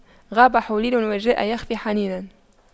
غاب حولين وجاء بِخُفَّيْ حنين